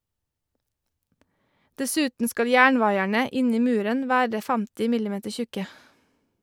Dessuten skal jernvaierne inni muren være 50 mm tjukke.